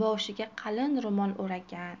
boshiga qalin ro'mol o'ragan